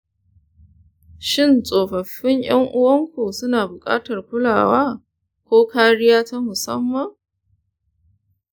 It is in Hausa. shin tsofaffin ’yan uwanku suna bukatar kulawa ko kariya ta musamman?